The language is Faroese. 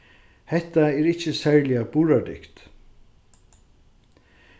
hetta er ikki serliga burðardygt